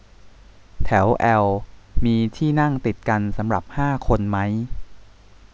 แถวแอลมีที่นั่งติดกันสำหรับห้าคนมั้ย